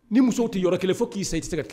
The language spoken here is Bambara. Ni muso tɛ yɔrɔ kelen fo k'i san i tɛ se ka